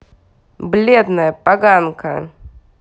бледная поганка